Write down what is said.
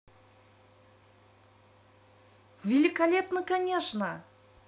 великолепно конечно